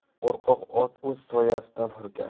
qo'rqoq ot o'z soyasidan hurkar